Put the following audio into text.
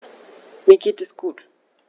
Mir geht es gut.